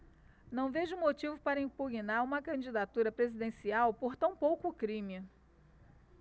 não vejo motivo para impugnar uma candidatura presidencial por tão pouco crime